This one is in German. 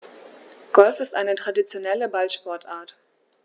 Golf ist eine traditionelle Ballsportart.